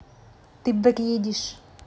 ты бредишь